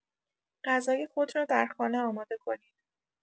غذای خود را در خانه آماده کنید.